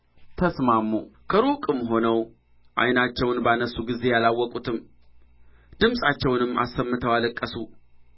ተስማሙ ከሩቅም ሆነው ዓይናቸውን ባነሡ ጊዜ አላወቁትም ድምፃቸውንም አሰምተው አለቀሱ